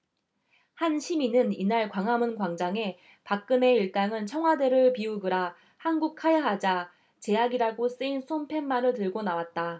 한 시민은 이날 광화문광장에 박근혜 일당은 청와대를 비우그라 한국하야하자 제약이라고 쓰인 손팻말을 들고 나왔다